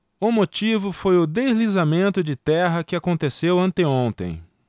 o motivo foi o deslizamento de terra que aconteceu anteontem